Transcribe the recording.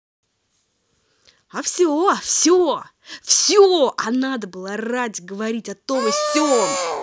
а все все все а надо было раде говорить о том и сем